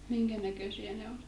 minkä näköisiä ne oli